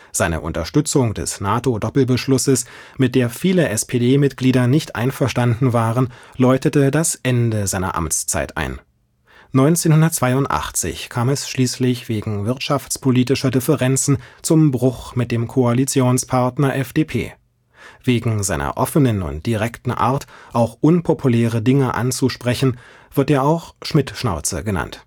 Seine Unterstützung des NATO-Doppelbeschlusses, mit der viele SPD-Mitglieder nicht einverstanden waren, läutete das Ende seiner Amtszeit ein. 1982 kam es schließlich wegen wirtschaftspolitischer Differenzen zum Bruch mit dem Koalitionspartner FDP. Wegen seiner offenen und direkten Art, auch unpopuläre Dinge auszusprechen, wird er auch „ Schmidt-Schnauze “genannt